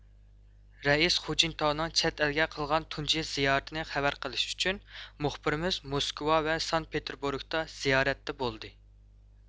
رەئىس خۇجىنتاۋنىڭ چەت ئەلگە قىلغان تۇنجى زىيارىتىنى خەۋەر قىلىش ئۈچۈن مۇخبىرىمىز موسكۋا ۋە سانكىت پىتىربۇرگدا زىيارەتتە بولدى